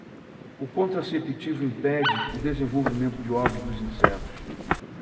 o contraceptivo impede o desenvolvimento de ovos dos insetos